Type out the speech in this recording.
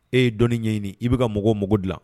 E dɔni ɲɛɲini i bɛ ka mɔgɔw mugu dilan